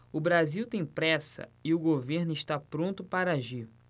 o brasil tem pressa e o governo está pronto para agir